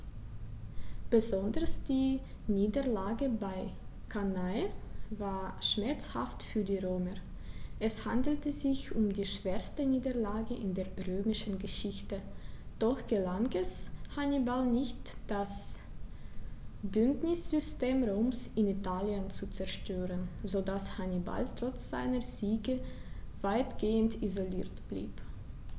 Besonders die Niederlage bei Cannae war schmerzhaft für die Römer: Es handelte sich um die schwerste Niederlage in der römischen Geschichte, doch gelang es Hannibal nicht, das Bündnissystem Roms in Italien zu zerstören, sodass Hannibal trotz seiner Siege weitgehend isoliert blieb.